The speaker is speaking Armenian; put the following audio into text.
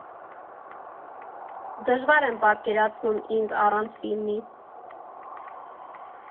Դժվար եմ պատկերացնում ինձ առանց ֆիլմի.